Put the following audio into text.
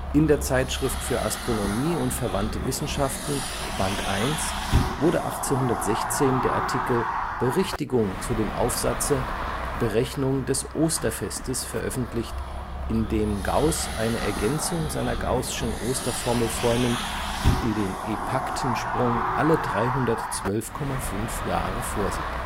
In der Zeitschrift für Astronomie und verwandte Wissenschaften, Band 1, wurde 1816 der Artikel Berichtigung zu dem Aufsatze: Berechnung des Osterfestes veröffentlicht, in dem Gauß eine Ergänzung seiner gaußschen Osterformel vornimmt, die den Epaktensprung alle 312,5 Jahre vorsieht